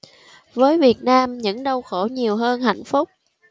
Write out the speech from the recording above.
với việt nam những đau khổ nhiều hơn hạnh phúc